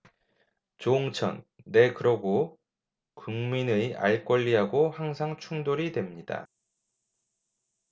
조응천 네 그러고 국민의 알권리 하고 항상 충돌이 됩니다